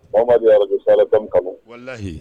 Mamadu alabu sa ala dami kama